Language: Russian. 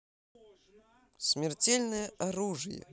смертельное оружие